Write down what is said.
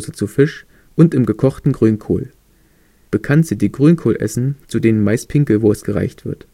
zu Fisch und im gekochten Grünkohl. Bekannt sind die Grünkohlessen, zu denen meist Pinkelwurst gereicht wird